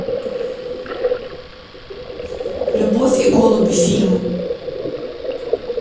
любовь и голуби фильм